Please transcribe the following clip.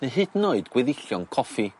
ne' hyd yn oed gweddillion coffi.